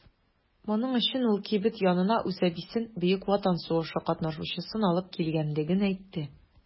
Моның өчен ул кибет янына үз әбисен - Бөек Ватан сугышы катнашучысын алып килгәнлеген әйтте.